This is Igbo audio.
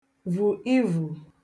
vù ivù